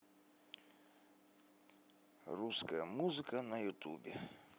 русская музыка на ютубе